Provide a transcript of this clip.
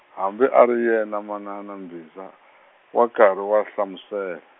hambi a ri yena manana Mbhiza, wa karhi wa hlamusela.